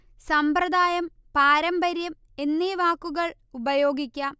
സമ്പ്രദായം പാരമ്പര്യം എന്നീ വാക്കുകൾ ഉപയോഗിക്കാം